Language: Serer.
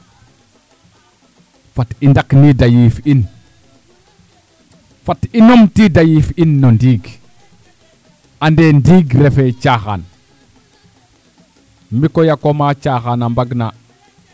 fat i ndakniid a yiif in fat numtiid a yiif in no ndiig ande ndiig refee caaxaan mi koy koma caaxaan a mbagna